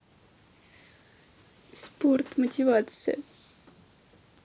спорт мотивация